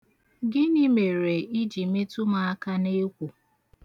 Gịnị mere ị ji metu m aka n'ekwo?